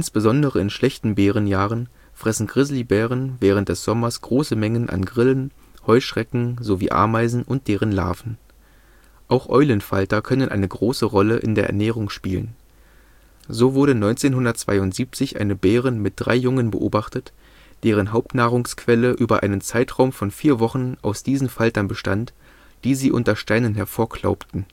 Insbesondere in schlechten Beerenjahren fressen Grizzlybären während des Sommers große Mengen an Grillen, Heuschrecken sowie Ameisen und deren Larven. Auch Eulenfalter können eine große Rolle in der Ernährung spielen. So wurde 1972 eine Bärin mit drei Jungen beobachtet, deren Hauptnahrungsquelle über einen Zeitraum von vier Wochen aus diesen Faltern bestand, die sie unter Steinen hervorklaubten